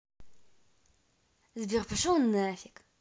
сбер пошел на фиг